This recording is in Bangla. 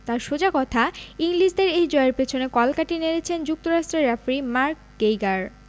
তাঁর সোজা কথা ইংলিশদের এই জয়ের পেছনে কলকাঠি নেড়েছেন যুক্তরাষ্ট্রের রেফারি মার্ক গেইগার